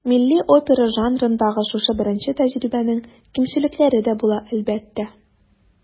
Милли опера жанрындагы шушы беренче тәҗрибәнең кимчелекләре дә була, әлбәттә.